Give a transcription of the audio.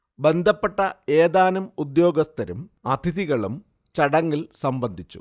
ബന്ധപ്പെട്ട ഏതാനും ഉദേൃാഗസ്ഥരും അതിഥികളും ചടങ്ങിൽ സംബന്ധിച്ചു